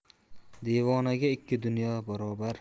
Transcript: devonaga ikki dunyo barobar